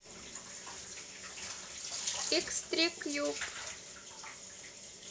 икс три кьюб